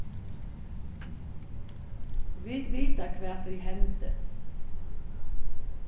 vit vita hvat ið hendi